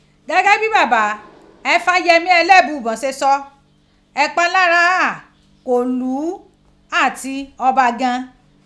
Gẹgẹ bi baba Ifayẹmi ẹlẹbuibọn ṣe sọ, ipalara gha ko ilu ati Ọba gan.